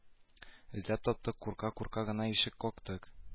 Эзләп таптык курка-курка гына ишек кактык